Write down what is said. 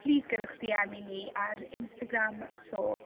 plîs gyrrwch Dee Em i ni ar Instagram so...